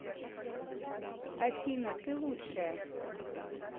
афина ты лучшая